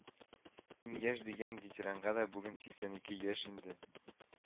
Иң яшь дигән ветеранга да бүген сиксән ике яшь инде